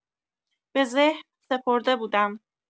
به ذهن سپرده بودم.